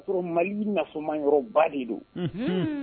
Ko Mali nafamayɔrɔba de don. Unhun. Huun!